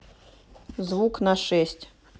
звук на шесть